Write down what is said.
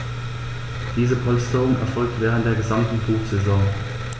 Diese Polsterung erfolgt während der gesamten Brutsaison.